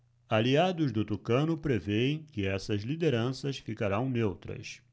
aliados do tucano prevêem que essas lideranças ficarão neutras